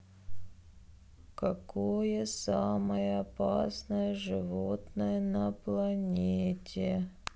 какое самое опасное животное на планете